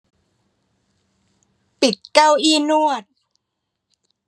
ปิดเก้าอี้นวด